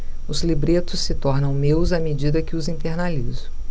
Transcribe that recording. os libretos se tornam meus à medida que os internalizo